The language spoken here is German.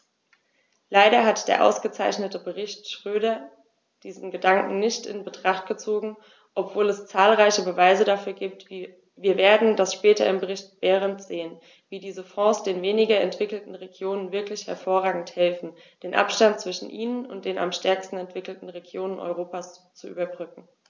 Leider hat der ausgezeichnete Bericht Schroedter diesen Gedanken nicht in Betracht gezogen, obwohl es zahlreiche Beweise dafür gibt - wir werden das später im Bericht Berend sehen -, wie diese Fonds den weniger entwickelten Regionen wirklich hervorragend helfen, den Abstand zwischen ihnen und den am stärksten entwickelten Regionen Europas zu überbrücken.